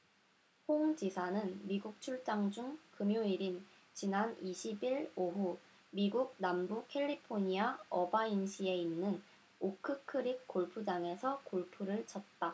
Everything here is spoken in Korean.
홍 지사는 미국 출장 중 금요일인 지난 이십 일 오후 미국 남부 캘리포니아 어바인시에 있는 오크 크릭 골프장에서 골프를 쳤다